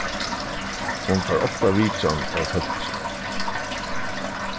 hon fær ofta vitjan av fólki